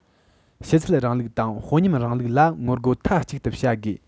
ཕྱི ཚུལ རིང ལུགས དང དཔོན ཉམས རིང ལུགས ལ ངོ རྒོལ མཐའ གཅིག ཏུ བྱ དགོས